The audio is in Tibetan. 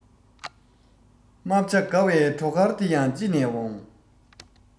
རྨ བྱ དགའ བའི བྲོ གར དེ ཡང ཅི ནས འོང